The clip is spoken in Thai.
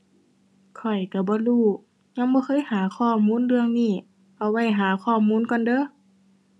ข้อยก็บ่รู้ ยังบ่เคยหาข้อมูลเรื่องนี้ เอาไว้หาข้อมูลก่อนเด้อ